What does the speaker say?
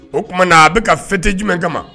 O tuma na a bɛka ka fɛnte jumɛn kama